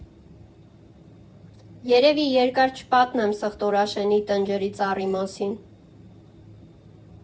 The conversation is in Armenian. Երևի երկար չպատմեմ Սխտորաշենցի Տնջրի ծառի մասին։